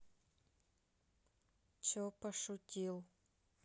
че пошутил